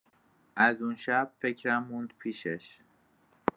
از اون شب فکرم موند پیشش.